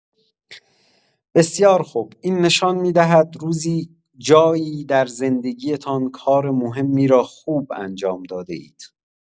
بسیار خب، این نشان می‌دهد روزی جایی در زندگی‌تان کار مهمی را خوب انجام داده‌اید.